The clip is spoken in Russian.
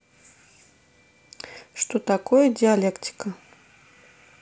что такое диалектика